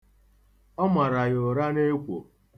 Ọ mara ya ụra n'ekwo.